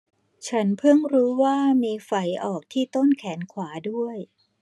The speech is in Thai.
ฉันเพิ่งรู้ว่ามีไฝออกที่ต้นแขนขวาด้วย